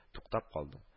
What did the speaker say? Туктап калдым